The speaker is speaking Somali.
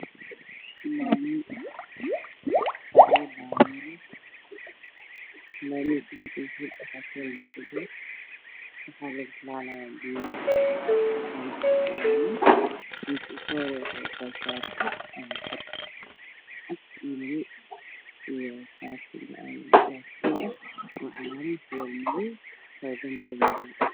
Meeshaan waxaa iga muuqda laami waxaa joogo niman waxa ay tallaalayaan geedo waxa ay wataan shatiyo cagaar waxaa ii muuqda gaarayaal caddaan darbi ayaa geeska uga yaallo